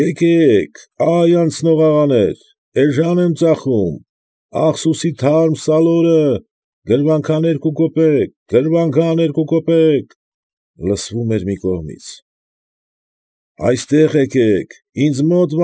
Եկե՛ք, ա՛յ անցնող աղաներ, էժան եմ ծախում Ախսուի թարմ սալորը, գրվանքան երկու կոպեկ, գրվանքան երկու կոպեկ, ֊ լսվում էր մի կողմից։ ֊ Այստեղ եկեք, ինձ մոտ։